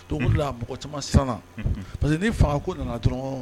To mɔgɔ caman san parce que ni fa ko nana dɔrɔn